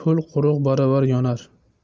ho'l quruq baravar yonar